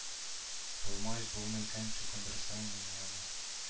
Булмагач булмый икән чукындырасыңмыни аны